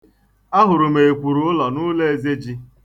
Ahụrụ m ekwurụụlọ n'ụlọ Ezeji.